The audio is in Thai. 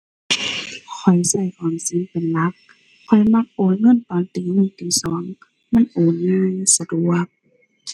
ข้อยใช้ออมสินเป็นหลัก ข้อยมักโอนเงินตอนตีหนึ่ง ตีสอง มันโอนง่าย สะดวก